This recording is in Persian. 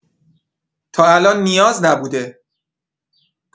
تا الان نیاز نبوده.